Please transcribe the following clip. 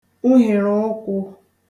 uhèrèụkwụ̄